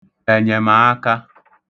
ẹ̀nyẹ̀màaka